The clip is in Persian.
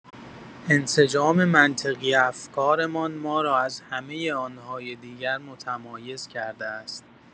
انسجام منطقی افکارمان ما را از همه آن‌های دیگر متمایز کرده است.